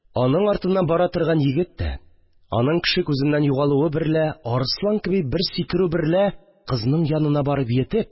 Аның артыннан бара торган егет тә, аның кеше күзеннән югалуы берлә, арыслан кеби бер сикерү берлә кызның янына барып йитеп